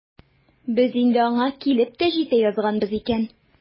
Без инде аңа килеп тә җитә язганбыз икән.